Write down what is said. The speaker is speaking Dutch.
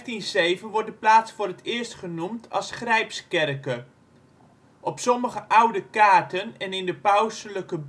In 1507 wordt de plaats voor het eerst genoemd als Grijpskercke. Op sommige oude kaarten en in de pauselijke